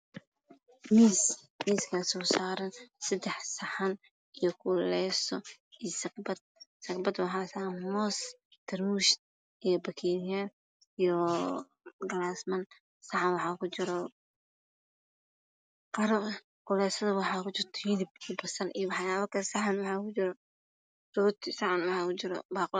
Waa miis saaran seddex saxan kululeyso iyo sakbad. Sakbada waxaa saaran moos iyo tarmuus bakeeri yaal iyo galaas. Saxana waxaa kujiro qado. Kululeysadana hilib, saxana rooti.